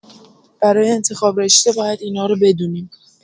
برای انتخاب رشته باید اینارو بدونیم.